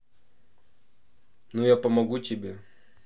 ну я помогу тебе